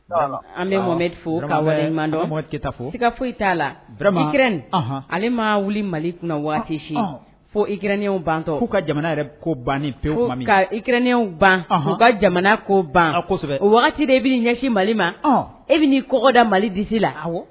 An bɛ mɔmɛta fo i ka foyi t'a lakr ale ma wuli mali kunna waati si fo ikrnenenw bantɔ k'u ka jamana yɛrɛ ko ban ni pewu ikrnenw ban ka jamana ko bansɛbɛ o waati wagati de b bɛi ɲɛsi mali ma e bɛ'i kɔda mali disi la